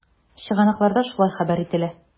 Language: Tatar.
Чыганакларда шулай хәбәр ителә.